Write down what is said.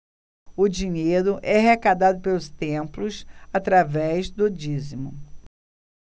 o dinheiro é arrecadado pelos templos através do dízimo